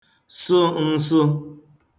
sụ n̄sụ̄